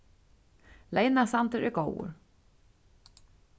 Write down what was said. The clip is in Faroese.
leynasandur er góður